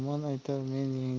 yomon aytar men yengdim